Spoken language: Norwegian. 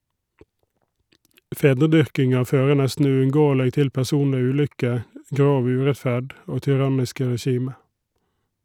Fedredyrkinga fører nesten uunngåeleg til personleg ulykke , grov urettferd og tyranniske regime.